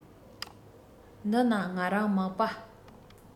འདི ན ང རང མག པ